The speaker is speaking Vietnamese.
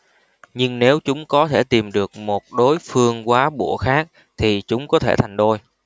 nhưng nếu chúng có thể tìm được một đối phương góa bụa khác thì chúng có thể thành đôi